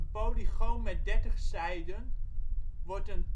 polygoon met dertig zijden wordt een